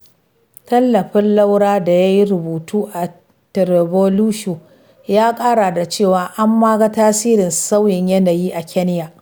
Tallafin Laura da ya yi rubutu a Treevolution, ya ƙara da cewa, an ma ga tasirin sauyin yanayi a Kenya.